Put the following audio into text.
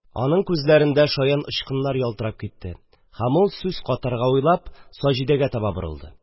Аның күзләрендә шаян очкыннар ялтырап китте, һәм ул, сүз катарга уйлап, Саҗидәгә таба борылды